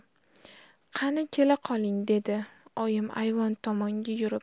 qani kela qoling dedi oyim ayvon tomonga yurib